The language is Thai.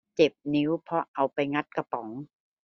เจ็บนิ้วเพราะเอาไปงัดกระป๋อง